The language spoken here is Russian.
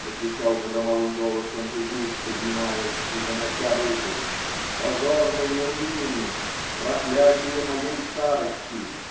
-- закричал громовым голосом Эгуд, поднимаясь и занося руку, -- позор моему имени! Проклятие моей старости!